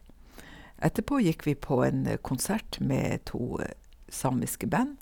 Etterpå gikk vi på en konsert med to samiske band.